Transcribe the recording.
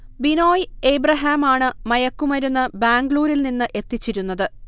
ബിനോയ് ഏബ്രഹാമാണ് മയക്കുമരുന്ന് ബാംഗ്ലൂരിൽ നിന്ന് എത്തിച്ചിരുന്നത്